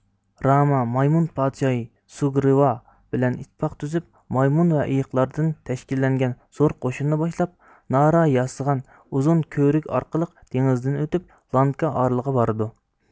راما مايمۇن پادىشاھى سۇگرىۋا بىلەن ئىتتىپاق تۈزۈپ مايمۇن ۋە ئېيىقلاردىن تەشكىللەنگەن زور قوشۇننى باشلاپ نارا ياسىغان ئۇزۇن كۆۋرۈك ئارقىلىق دېڭىزدىن ئۆتۈپ لانكا ئارىلىغا بارىدۇ